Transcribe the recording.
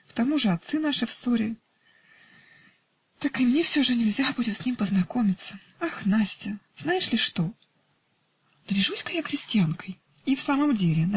К тому же отцы наши в ссоре, так и мне все же нельзя будет с ним познакомиться. Ах, Настя! Знаешь ли что? Наряжусь я крестьянкою! -- И в самом деле